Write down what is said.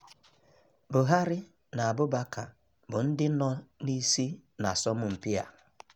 Buhari na Abubakar bụ ndị nọ n'isi n'asọmụmpi a.